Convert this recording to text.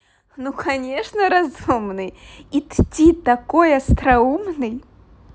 ну конечно разумный идти такой остроумный